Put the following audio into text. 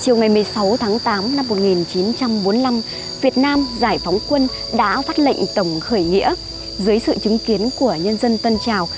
chiều ngày tháng năm việt nam giải phóng quân đã phát lệnh tổng khởi nghĩa dưới sự chứng kiến của nhân dân tân trào